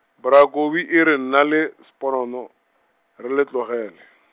bra Kobi e re nna le Sponono, re le tlogele.